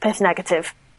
peth negatif.